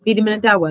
Fi 'di mynd yn dawel?